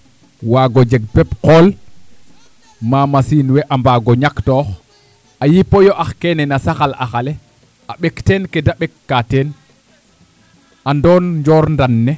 waago jeg pep qool ma machine ne a mbaago ñaktoox a yipooyo ax keene na saxal ax ale a ɓek teen kede ɓeka teen a ndoon njoor ndan ne